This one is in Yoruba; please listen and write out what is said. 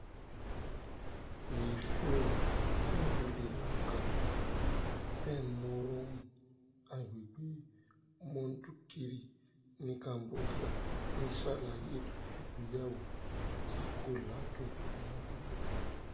Hea Phoeun ti abúlé Laoka, Senmonorom, agbègbè Mondulkiri ní Cambodia ń ṣàlàyé ètùtù ìgbéyàwó tí kò ládùn ní abúlé.